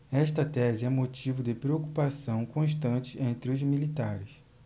esta tese é motivo de preocupação constante entre os militares